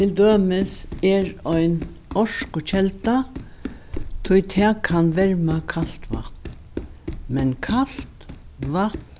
til dømis er ein orkukelda tí tað kann verma kalt vatn men kalt vatn